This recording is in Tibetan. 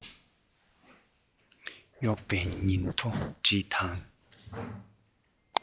གཡོག པའི ཉིན ཐོ བྲིས དང